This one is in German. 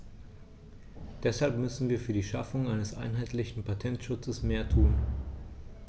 Deshalb müssen wir für die Schaffung eines einheitlichen Patentschutzes mehr tun.